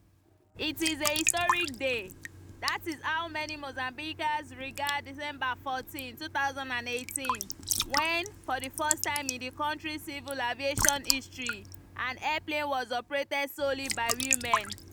It is a historic day: that is how many Mozambicans regard December 14, 2018 when, for the first time in the country's civil aviation history, an airplane was operated solely by women.